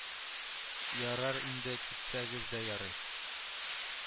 Ярар инде китсәгез дә ярый